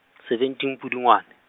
seventeen Pudungwane.